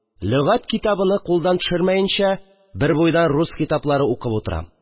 Лөгать китабыны кулдан төшермәенчә, бербуйдан рус китаплары укып утырам